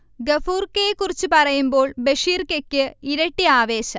ഗഫൂർക്കയെ കുറിച്ച് പറയുമ്പോൾ ബഷീർക്കക്ക് ഇരട്ടി ആവേശം